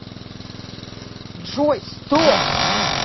джой стоп